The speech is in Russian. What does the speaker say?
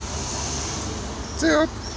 uh oh